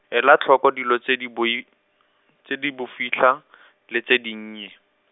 ela tlhoko dilo tse diboi-, tse di bofitlha , le tse dinnye.